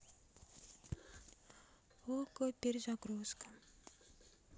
окко перезагрузка